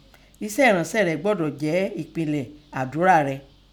Esẹ́ ẹ̀ransẹ́ rẹ gbọ́dọ̀ jẹ́ ẹ̀pilẹ̀ adọ́ra re